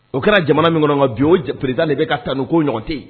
O kɛra jamana min kan pered de bɛ ka taa ni ko ɲɔgɔn tɛ